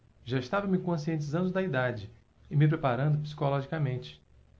já estava me conscientizando da idade e me preparando psicologicamente